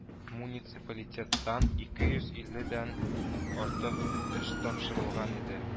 Муниципалитеттан ике йоз илле дән артык эш тапшырылган иде